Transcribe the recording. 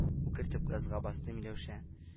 Үкертеп газга басты миләүшә